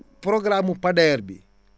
programme mu Pader bi